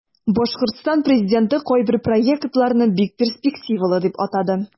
Башкортстан президенты кайбер проектларны бик перспективалы дип атады.